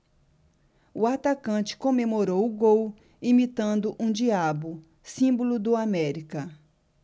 o atacante comemorou o gol imitando um diabo símbolo do américa